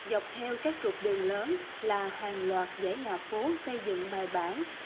dọc theo các trục đường lớn là hàng loạt dãy nhà phố xây dựng bài bản